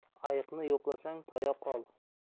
ayiqni yo'qlasang tayoq ol